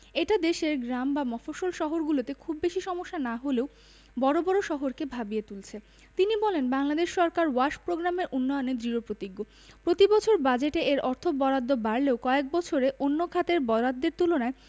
এটা দেশের গ্রাম বা মফস্বল শহরগুলোতে খুব বেশি সমস্যা না হলেও বড় বড় শহরকে ভাবিয়ে তুলেছে তিনি বলেন বাংলাদেশ সরকার ওয়াশ প্রোগ্রামের উন্নয়নে দৃঢ়প্রতিজ্ঞ প্রতিবছর বাজেটে এর বরাদ্দ বাড়লেও কয়েক বছরে অন্য খাতের বরাদ্দের তুলনায়